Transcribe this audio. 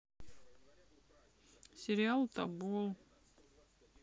сериал тобол